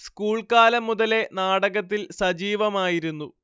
school കാലം മുതലേ നാടകത്തിൽ സജീവമായിരുന്നു